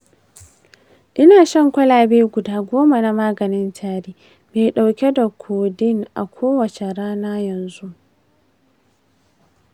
ina shan kwalabe guda goma na maganin tari mai dauke da codeine a kowace rana yanzu.